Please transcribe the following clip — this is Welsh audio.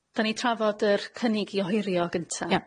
'Da ni'n trafod yr cynnig i ohirio gynta... Iawn.